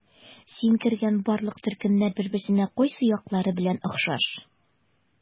Син кергән барлык төркемнәр бер-берсенә кайсы яклары белән охшаш?